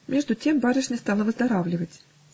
Между тем барышня стала выздоравливать.